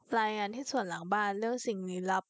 รายงานที่สวนหลังบ้านเรื่องสิ่งลี้ลับ